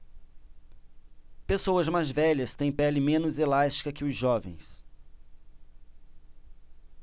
pessoas mais velhas têm pele menos elástica que os jovens